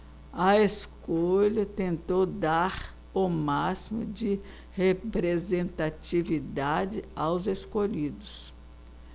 a escolha tentou dar o máximo de representatividade aos escolhidos